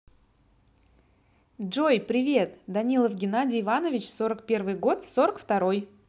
джой привет данилов геннадий иванович сорок первый год сорок второй